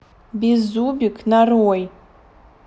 беззубик нарой